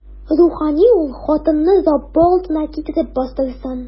Рухани ул хатынны Раббы алдына китереп бастырсын.